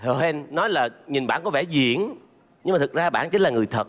hớ hênh nói là nhìn bảng có vẻ diễn nhưng mà thực ra bạn chính là người thật